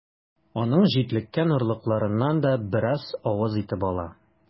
Аның җитлеккән орлыкларыннан да бераз авыз итеп ала.